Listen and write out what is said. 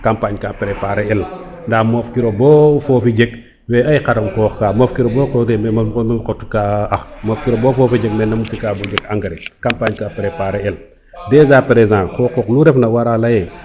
campagne ka preparer el nda moof kiro bo fofi jeg we ay xam xoox ka moof kiro bo leye manum xot ka ax mof kiro bo fofi jeg we nam fi ka bo jeg engrais campagne ka preparer el dejas present xoqox nu ref na wara leye